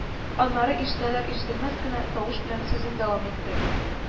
Аннары ишетәлер-ишетелмәс кенә тавыш белән сүзен дәвам итте: